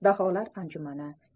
daholar anjumani